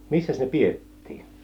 missäs ne pidettiin